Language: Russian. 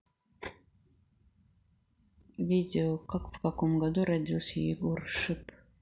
видео как в каком году родился егор шип